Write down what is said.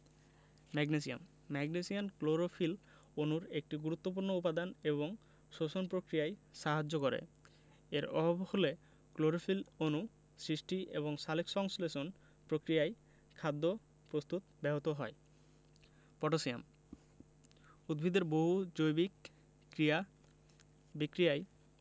magnesium magnesium chlorophyll অণুর একটি গুরুত্বপুর্ণ উপাদান এবং শ্বসন প্রক্রিয়ায় সাহায্য করে এর অভাব হলে ক্লোরোফিল অণু সৃষ্টি এবং সালোকসংশ্লেষণ প্রক্রিয়ায় খাদ্য প্রস্তুত ব্যাহত হয় পটাশিয়াম উদ্ভিদের বহু জৈবিক ক্রিয়া বিক্রিয়ায়